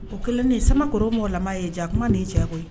O kɛlen sama kɔrɔ mɔgɔ lamɔ ye ja kuma de diya koyi ye